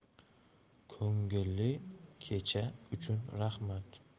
ko'ngilli kecha uchun rahmat